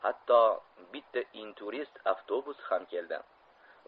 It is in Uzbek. hatto bitta inturist avtobusi ham keldi